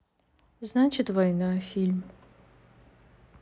значит война фильм